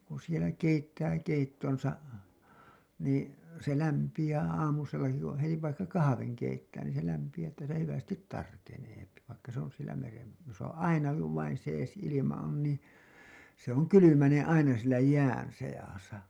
kun siellä keittää keittonsa niin se lämpiää aamusellakin kun heti vaikka kahvin keittää niin se lämpiää että siellä hyvästi tarkenee vaikka se on siellä meren jos on ainakin kun vain sees ilma on niin se on kylmänen aina siellä jään seassa